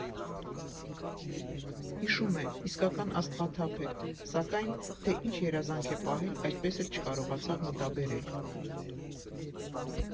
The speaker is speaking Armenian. Հիշում է, իսկական աստղաթափ էր, սակայն, թե ինչ երազանք է պահել՝ այդպես էլ չկարողացավ մտաբերել։